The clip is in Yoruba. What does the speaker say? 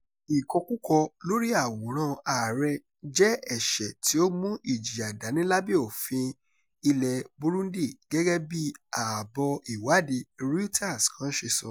Ìkọkúkọ [lórí àwòrán Ààrẹ] jẹ́ ẹ̀ṣẹ̀ tí ó mú ìjìyà dání lábẹ́ òfin ilẹ̀ Burundi gẹ́gẹ́ bí àbọ̀ ìwádìí Reuters kán ṣe sọ.